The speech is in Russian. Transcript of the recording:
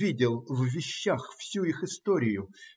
видел в вещах всю их историю